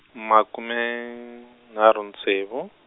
makume, nharhu ntsevu.